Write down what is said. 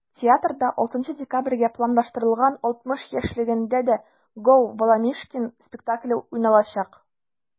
Театрда 6 декабрьгә планлаштырылган 60 яшьлегендә дә “Gо!Баламишкин" спектакле уйналачак.